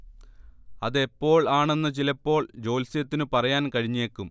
അതെപ്പോൾ ആണെന്ന് ചിലപ്പോൾ ജ്യോല്സ്യത്തിനു പറയാൻ കഴിഞ്ഞേക്കും